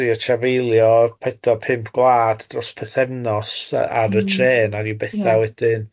Trio trafeilio'r pedwar pump gwlad dros pythefnos... Mm. ...ar y trên a ryw bethau wedyn.